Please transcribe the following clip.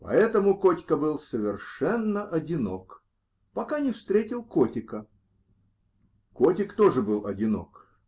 Поэтому Котька был совершенно одинок, пока не встретил котика. Котик тоже был одинок.